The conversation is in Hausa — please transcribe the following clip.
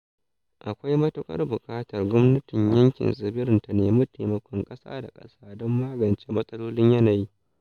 Akwai matuƙar buƙatar gwamnatin yankin tsibirin ta nemi taimakon ƙasa da ƙasa don magance matsalolin yanayi.